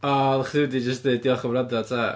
O, oeddach chdi'n mynd i jyst ddeud, "diolch am wrando, tara".